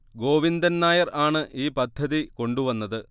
ഗോവിന്ദൻ നായർ ആണ് ഈ പദ്ധതി കൊണ്ടുവന്നത്